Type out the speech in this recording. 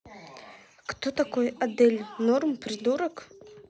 кто такой адель норм придурок